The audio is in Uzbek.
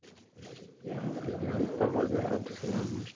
begalov bahodir abdusalomovich